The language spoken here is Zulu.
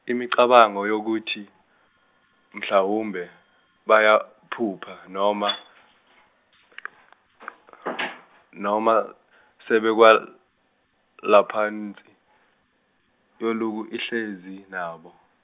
imicabango yokuthi , mhlawumbe bayaphupha noma, noma sebekwelabaphansi yalokhu ihlezi nabo.